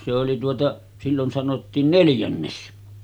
se oli tuota silloin sanottiin neljännes